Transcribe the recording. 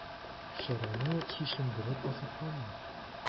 Шәрәне чишендереп азапланма.